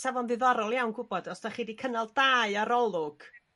'Sa fo'n ddiddorol iawn gwbod os 'da chi 'di cynnal dau arolwg